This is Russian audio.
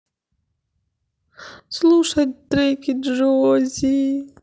слушать треки джоззи